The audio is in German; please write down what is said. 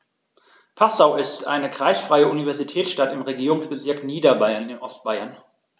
Passau ist eine kreisfreie Universitätsstadt im Regierungsbezirk Niederbayern in Ostbayern.